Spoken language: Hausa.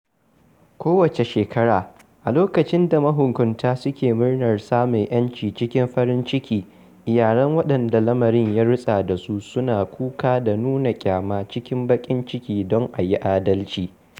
Kowace shekara, a lokacin da mahukunta suke murnar samun 'yanci cikin farin ciki, iyalan waɗanda lamarin ya rutsa da su suna kuka da nuna ƙyama cikin baƙin ciki don a yi adalci